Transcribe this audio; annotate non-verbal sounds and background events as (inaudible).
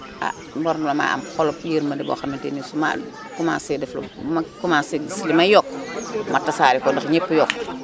ha ngor la ma am (crosstalk) xolu yërmande boo xamante ni su ma commencé def su ma commencé gis (crosstalk) li may yokk ma tasaare ko ndax ñepp yokk (crosstalk)